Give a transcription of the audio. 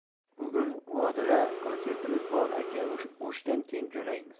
bugun vodilda kontsertimiz bor aka oshdan keyin jo'naymiz